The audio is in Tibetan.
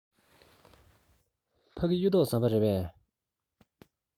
ཕ གི གཡུ ཐོག ཟམ པ རེད པས